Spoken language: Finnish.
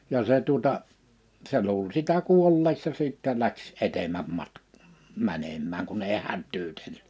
ja se tuota se luuli sitä kuolleeksi ja sitten lähti edemmäs - menemään kun ei hätyytellyt